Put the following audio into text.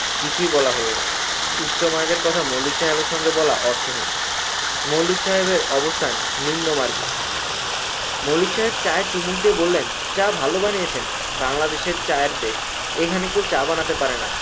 কিছুই বলা হল না উচ্ছ মারগের কথা মল্লিক সাহেবের সাথে বলা অর্থহিন মল্লিক সাহেবের অবস্তান নিম্ন মারগে মল্লিক সাহেব চায়ে চুমুক দিয়ে বললেন চা ভালো বানিয়েছেন বাংলাদেশ চায়ের দেশ এখানে কেউ চা বানাতে পারে না